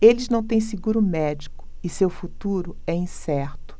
eles não têm seguro médico e seu futuro é incerto